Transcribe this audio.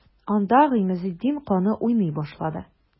Анда Гыймазетдин каны уйный башлады.